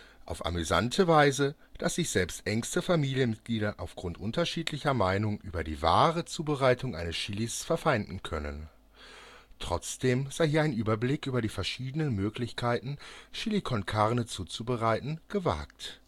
auf amüsante Weise, dass sich selbst engste Familienmitglieder aufgrund unterschiedlicher Meinungen über die wahre Zubereitung eines Chilis verfeinden können. Trotzdem sei hier ein Überblick über die verschiedenen Möglichkeiten, Chili con Carne zuzubereiten, gewagt